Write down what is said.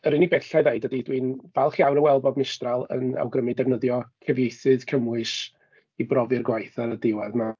Yr unig beth alla i ddweud ydy dwi'n falch iawn o weld bod Mistral yn awgrymu defnyddio cyfieithydd cymwys i brofi'r gwaith ar y diwedd, ma'...